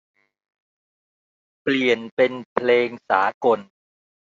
เปลี่ยนเป็นเพลงสากล